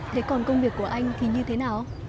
thế còn công việc của anh thì như thế nào